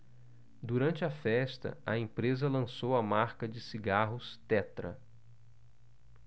durante a festa a empresa lançou a marca de cigarros tetra